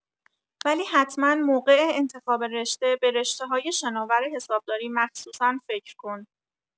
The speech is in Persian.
ولی حتما موقع انتخاب رشته به رشته‌های شناور حسابداری مخصوصا فکر کن